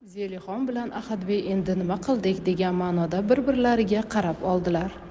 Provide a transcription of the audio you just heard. zelixon bilan ahadbey endi nima qildik degan ma'noda bir birlariga qarab oldilar